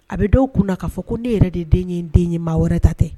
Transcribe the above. A bɛ dɔw kunna na k'a fɔ ko ne yɛrɛ de den ye den ye maa wɛrɛ ta tɛ